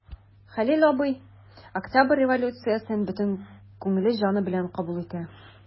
Хәлил абый Октябрь революциясен бөтен күңеле, җаны белән кабул итә.